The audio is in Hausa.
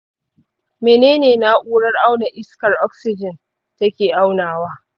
mene ne na'urar auna iskar oxygen take aunawa?